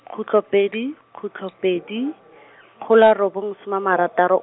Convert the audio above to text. khutlo pedi, khutlo pedi , kgolo a robong soma a marataro.